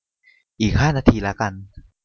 อีกห้านาทีละกัน